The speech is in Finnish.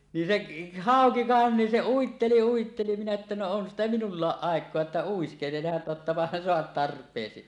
niin se hauki vain niin se uitteli uitteli minä että no on sitä minullakin aikaa että uiskentelehan tottapahan saat tarpeesi